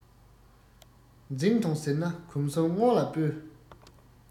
འཛིང ཐོངས ཟེར ན གོམས གསུམ སྔོན ལ སྤོས